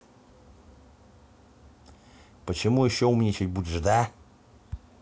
почему еще умничать будешь да